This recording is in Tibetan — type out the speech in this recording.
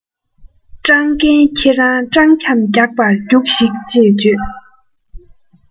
སྤྲང མཁན ཁྱེད རང སྤྲང འཁྱམ རྒྱག པར རྒྱུགས ཤིག ཅེས བརྗོད